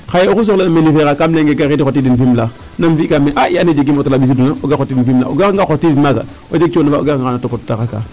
Xaye oxu soxla'na mene feera kaam layonge gariidi xotiidin Fimela nam fi'kaa, um lay ee a andi yee jegiim o auto laa ɓisiduuna o gar xotiidin Fimela o garanga xotiidin maaga o jeg coono faa o garanga xan o topatu taxar kaaga.